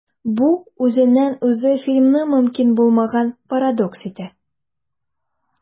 Бу үзеннән-үзе фильмны мөмкин булмаган парадокс итә.